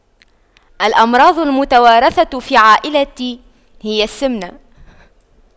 الأمراض المتوارثة في عائلتي هي السمنة